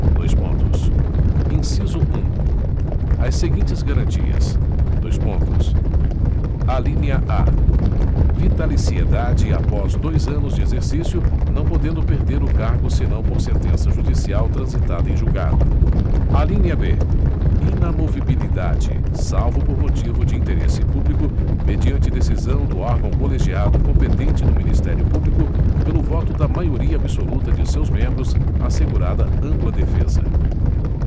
dois pontos inciso um as seguintes garantias dois pontos alínea a vitaliciedade após dois anos de exercício não podendo perder o cargo senão por sentença judicial transitada em julgado alínea b inamovibilidade salvo por motivo de interesse público mediante decisão do órgão colegiado competente do ministério público pelo voto da maioria absoluta de seus membros assegurada ampla defesa